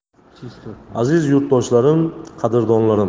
aziz yurtdoshlarim qadrdonlarim